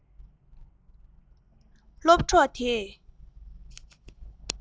སློབ གྲོགས དེས